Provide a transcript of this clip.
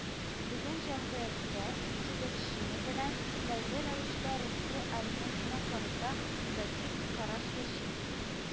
Бүген җәмгыятьтә «дедовщина» белән бәйле рәвештә Россия армиясенә карата негатив караш яши